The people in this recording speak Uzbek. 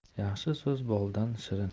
yaxshi so'z boldan shirin